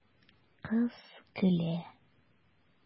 Кыз көлә.